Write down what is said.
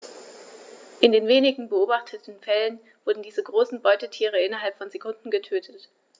In den wenigen beobachteten Fällen wurden diese großen Beutetiere innerhalb von Sekunden getötet.